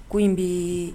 Ko in bɛ